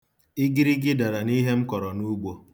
Igirigi dara n'ihe m kọrọ n'ugbo.